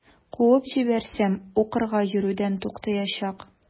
Куып җибәрсәм, укырга йөрүдән туктаячак.